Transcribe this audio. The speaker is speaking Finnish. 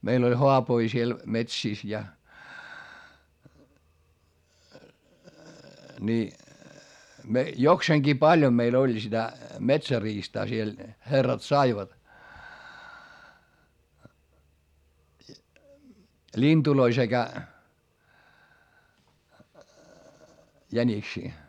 meillä oli haapoja siellä metsissä ja niin jokseenkin paljon meillä oli sitä metsäriistaa siellä herrat saivat lintuja sekä jäniksiä